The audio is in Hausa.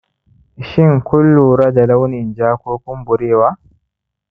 shin kun lura da launin ja ko kumburewa